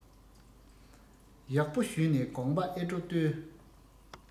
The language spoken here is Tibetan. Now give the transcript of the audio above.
ཡག པོ ཞུས ནས དགོངས པ ཨེ སྤྲོ ལྟོས